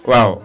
waaw